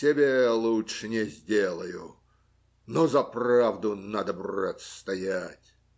Себе лучше не сделаю, но за правду надо, брат, стоять.